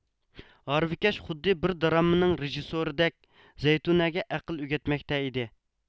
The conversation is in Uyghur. ھارۋىكەش خۇددى بىر دراممىنىڭ رېژىسسورىدەك زەيتۇنەگە ئەقىل ئۆگەتمەكتە ئىدى